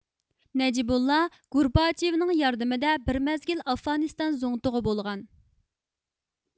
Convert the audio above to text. نەجىبۇللا گورباچېۋنىڭ ياردىمىدە بىر مەزگىل ئافغانىستان زۇڭتۇڭى بولغان